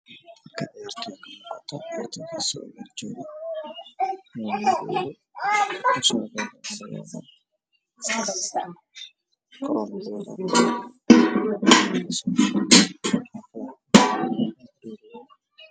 Waa wiilal ciyaartoy ah waxey wataan furaanad xalaro isku dhex jira leh